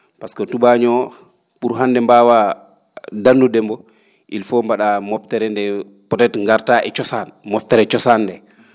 pasque tubaañoo pour hannde mbaawaa da?nude mbo il faut mba?aa mobtere ndee peut étre gartaa e cosaan moftere cosaan ndee